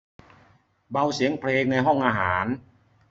เบาเสียงเพลงในห้องอาหาร